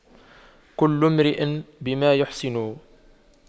كل امرئ بما يحسنه